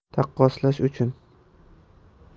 taqqoslash uchun